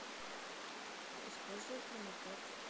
использовать промокод